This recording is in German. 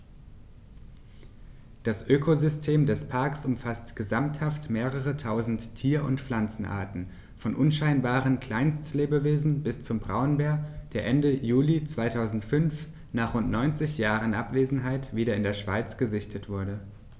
Das Ökosystem des Parks umfasst gesamthaft mehrere tausend Tier- und Pflanzenarten, von unscheinbaren Kleinstlebewesen bis zum Braunbär, der Ende Juli 2005, nach rund 90 Jahren Abwesenheit, wieder in der Schweiz gesichtet wurde.